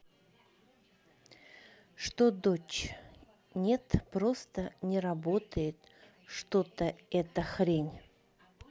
что дочь нет просто не работает что то эта хрень